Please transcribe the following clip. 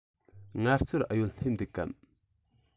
ངལ རྩོལ ཨུ ཡོན སླེབས འདུག གམ